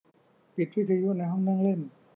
ปิดวิทยุในห้องนั่งเล่น